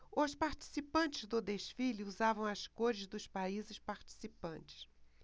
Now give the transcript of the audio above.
os participantes do desfile usavam as cores dos países participantes